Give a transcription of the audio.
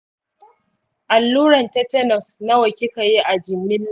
alluran tetanus nawa kika yi a jimilla?